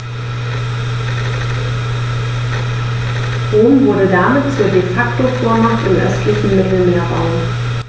Rom wurde damit zur ‚De-Facto-Vormacht‘ im östlichen Mittelmeerraum.